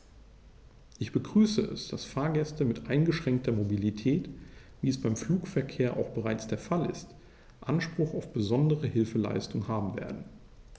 Ich begrüße es, dass Fahrgäste mit eingeschränkter Mobilität, wie es beim Flugverkehr auch bereits der Fall ist, Anspruch auf besondere Hilfeleistung haben werden.